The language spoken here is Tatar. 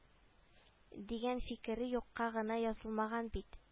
Дигән фикере юкка гына язылмаган бит